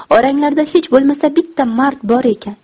oranglarda hech bo'lmasa bitta mard bor ekan